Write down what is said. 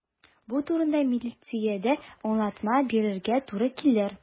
Бу турыда милициядә аңлатма бирергә туры килер.